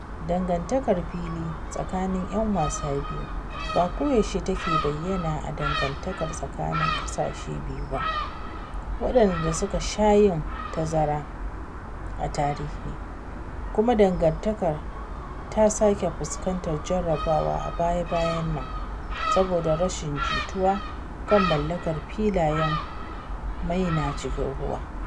Dangantakar fili tsakanin ‘yan wasa biyu ba koyaushe take bayyana a dangantakar tsakanin ƙasashen biyu ba waɗanda suka sha yin tazara a tarihi, kuma dangantakar ta sake fuskantar jarrabawa a baya-bayan nan saboda rashin jituwa kan mallakar filayen mai na cikin ruwa.